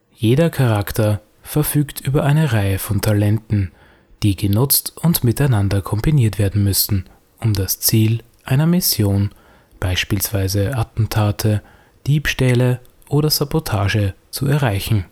Jeder Charakter verfügt über eine Reihe von Talenten, die genutzt und miteinander kombiniert werden müssen, um das Ziel einer Mission – beispielsweise Attentate, Diebstähle oder Sabotage – zu erreichen